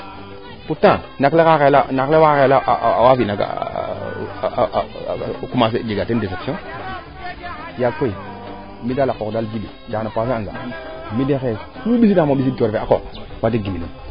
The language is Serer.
pourtant naak le wa xela awa fi naaga a coommencer jega teen deception yaag koy mi daal a qooq daal djiby caxaan a passer anga mi de xaye ku mbisiidaxama xaye tefe a qooq wax deg giminum